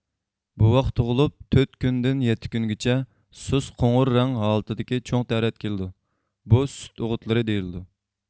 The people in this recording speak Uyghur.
بوۋاق تۇغۇلۇپ تۆت كۈندىن يەتتە كۈنگىچە سۇس قوڭۇر رەڭ ھالىتىدىكى چوڭ تەرەت كېلىدۇ بۇ سۈت ئوغۇتلىرى دېيىلىدۇ